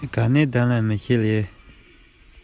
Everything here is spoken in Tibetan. ཉིན དེའི ཞོགས པར ང རང ཚ དྲོད ཀྱིས